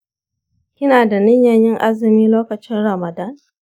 kina da niyyan yin azumi lokacin ramadan?